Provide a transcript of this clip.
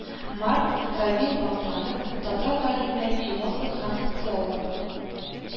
Март – равил балтанов, татар галиме, философ һәм социолог